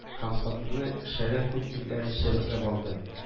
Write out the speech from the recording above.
Һәм хатынны шәрә күт битләрен чәбәкләп алды